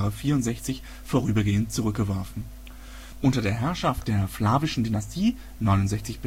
64 vorübergehend zurückgeworfen. Unter der Herrschaft der Flavischen Dynastie (69